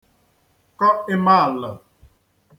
kọ ìmèalụ̀